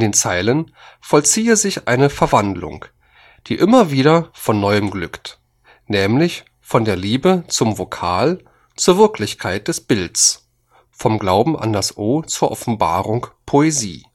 Zeilen vollziehe sich eine Verwandlung, „ die immer wieder von neuem glückt, nämlich von der Liebe zum Vokal zur Wirklichkeit des Bilds; vom Glauben an das O zur Offenbarung Poesie